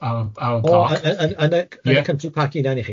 O yn yn yn yn y yn y country park unan i chi?